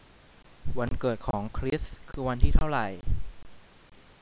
วันเกิดของคริสคือวันที่เท่าไร